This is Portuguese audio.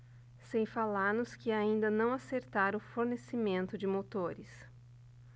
sem falar nos que ainda não acertaram o fornecimento de motores